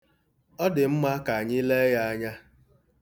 Ọ dị mma ka anyị lee ya anya.